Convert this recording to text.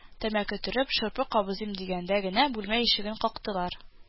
Тәмәке төреп, шырпы кабызыйм дигәндә генә, бүлмә ишеген кактылар